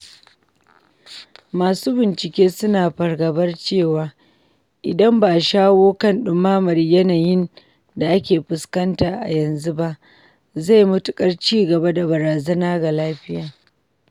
Masu bincike suna fargabar cewa, idan ba a shawo kan ɗumamar yanayin da ake fuskata a yanzu ba, zai matuƙar ci gaba da barazana ga lafiya.